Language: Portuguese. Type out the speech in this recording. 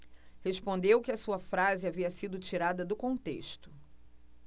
respondeu que a sua frase havia sido tirada do contexto